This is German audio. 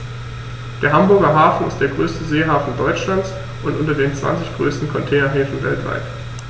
Der Hamburger Hafen ist der größte Seehafen Deutschlands und unter den zwanzig größten Containerhäfen weltweit.